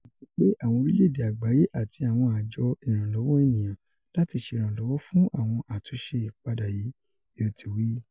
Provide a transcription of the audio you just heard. "A ti pe awọn orílẹ̀-èdè agbaye ati awọn ajọ iranlọwọ eniyan lati ṣe iranlọwọ fun awọn atunṣe ipada yii,"bi o ti wi.